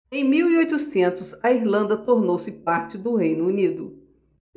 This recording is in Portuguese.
em mil e oitocentos a irlanda tornou-se parte do reino unido